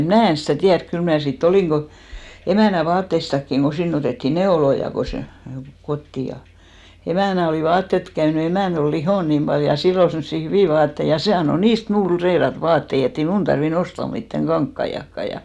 minä en sitä tiedä kyllä minä sitten olin emännän vaatteistakin kun sinne otettiin neuloja kun se kotiin ja emännän oli vaatteat - käynyt emäntä oli lihonut niin paljon ja sillä oli semmoisia hyviä vaatteita ja se antoi niistä minulle reilata vaatteita että ei minun tarvinnut ostaa mitään kankaitakaan ja